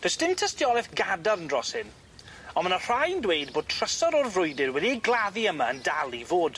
Does dim tystioleth gadarn dros hyn on' ma' 'na rhai'n dweud bod trysor o'r frwydyr wedi ei gladdu yma yn dal i fod.